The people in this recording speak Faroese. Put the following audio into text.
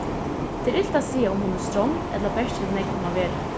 tað er ilt at siga um hon er strongd ella bert hevur nógv um at vera